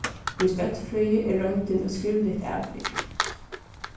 í støddfrøði er royndin eitt skrivligt avrik